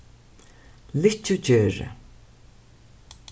lykkjugerði